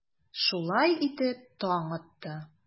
Шулай итеп, таң атты.